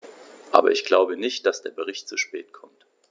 Aber ich glaube nicht, dass der Bericht zu spät kommt.